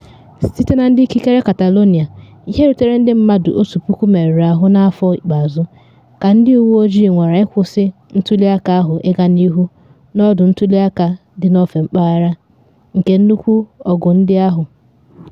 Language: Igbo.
Site na ndị ikikere Catalonia ihe rutere ndị mmadụ 1000 merụrụ ahụ n’afọ ikpeazụ ka ndị uwe ojiii nwara ịkwụsị ntuli aka ahụ ịga n’ihu n’ọdụ ntuli aka dị n’ofe mpaghara nke nnukwu ọgụ ndị ahụ.